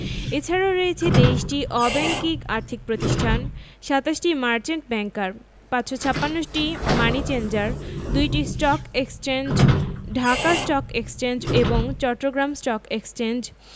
এছাড়াও রয়েছে ২৩টি অব্যাংকিং আর্থিক প্রতিষ্ঠান ২৭টি মার্চেন্ট ব্যাংকার ৫৫৬টি মানি চেঞ্জার ২টি stock exchange Dhaka stock exchange এবং চট্টগ্রাম স্টক এক্সচেঞ্জ